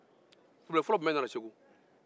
kulubali fɔlɔ jumɛn nana segu